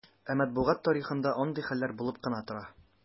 Ә матбугат тарихында андый хәлләр булып кына тора.